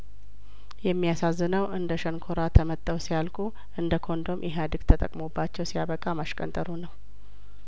የሚያሳዝነው እንደሸንኮራ ተመጠው ሲያልቁ እንደኮንዶም ኢህአዴግ ተጠቅሞባቸው ሲያበቃ ማሽቀንጠሩ ነው